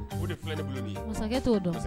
De filɛ bolo